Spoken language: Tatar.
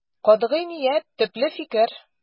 Катгый ният, төпле фикер.